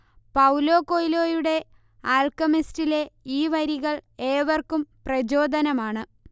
Paulo കൊയ്ലോയുടെ ആൽക്കെമിസ്റ്റിലെ ഈ വരികൾ ഏവർക്കും പ്രചോദനമാണ്